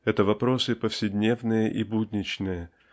Это вопросы повседневные и будничные